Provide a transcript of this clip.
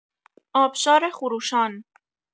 آبشار خروشان